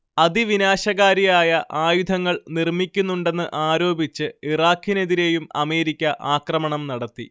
അതിവിനാശകാരിയായ ആയുധങ്ങൾ നിർമ്മിക്കുന്നുണ്ടെന്ന് ആരോപിച്ച് ഇറാഖിനെതിരെയും അമേരിക്ക ആക്രമണം നടത്തി